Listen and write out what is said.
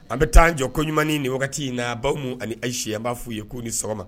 An bɛ taa jɔ ko ɲuman ni wagati in na baw minnu ani ayise an b'a f'u ye ko ni sɔgɔma